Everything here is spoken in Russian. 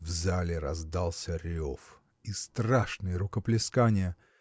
В зале раздался рев и страшные рукоплескания.